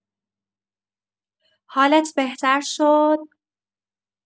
حالت بهتر شد؟